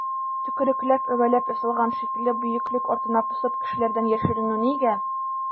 Төкерекләп-әвәләп ясалган шикле бөеклек артына посып кешеләрдән яшеренү нигә?